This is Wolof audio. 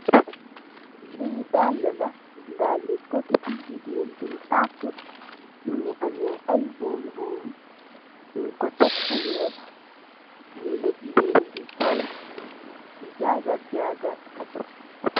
Le dalala dale koket yu gigen bui taka mu am ai bumbum nyu ko tek fu weyh le la gigen di sol di jagar jagar.